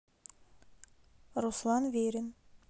руслан верин